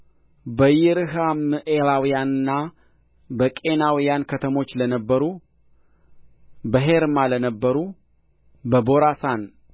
በይረሕምኤላውያንና በቄናውያን ከተሞችም ለነበሩ በሔርማ ለነበሩ በቦራሣን